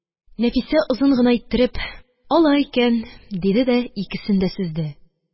Нәфисә, озын гына иттереп: «Алай икән», – диде дә икесен дә сөзде